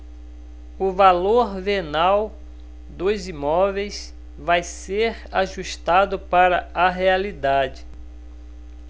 o valor venal dos imóveis vai ser ajustado para a realidade